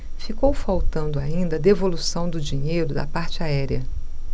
ficou faltando ainda a devolução do dinheiro da parte aérea